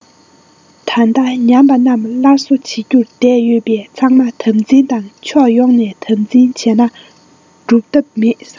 ད ལྟ ཉམས པ རྣམས སླར གསོ བྱེད རྒྱུར བསྡད ཡོད པས ཚང མ དམ འཛིན བྱས ན འགྲུ ཐབས མེད